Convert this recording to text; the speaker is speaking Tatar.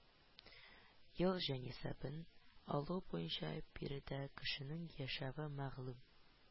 Ел җанисәбен алу буенча биредә кешенең яшәве мәгълүм